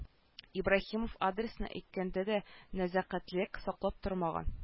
Ибраһимов адресына әйткәндә дә нәзәкатьлек саклап тормаган